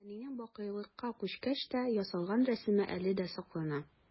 Әнинең бакыйлыкка күчкәч тә ясалган рәсеме әле дә саклана.